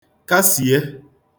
kasìe